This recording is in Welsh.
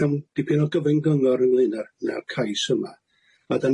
mewn dipyn o gyfyngyngor ynglŷn â'r na'r cais yma a dan